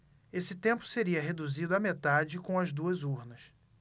esse tempo seria reduzido à metade com as duas urnas